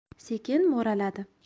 sekin mo'raladi